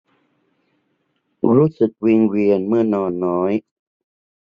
รู้สึกวิงเวียนเมื่อนอนน้อย